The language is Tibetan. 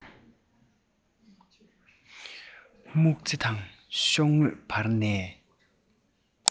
སྨྱུག རྩེ དང ཤོག ངོས བར ནས